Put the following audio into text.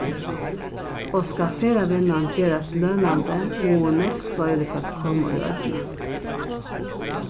og skal ferðavinnan gerast lønandi mugu nógv fleiri fólk koma í oynna